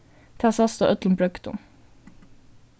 tað sæst á øllum brøgdum